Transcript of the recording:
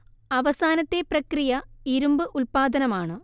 അവസാനത്തെ പ്രക്രിയ ഇരുമ്പ് ഉല്പാദനമാണ്